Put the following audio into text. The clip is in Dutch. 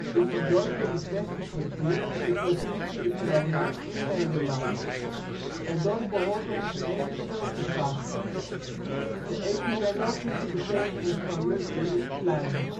is een dorp in het Westerkwartier in de provincie Groningen in Nederland. Het dorp behoort tot de gemeente Grootegast. De etymologische betekenis van ' lutje ' is ' klein